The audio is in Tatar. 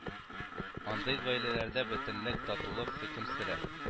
Андый гаиләләрдә бөтенлек, татулык хөкем сөрә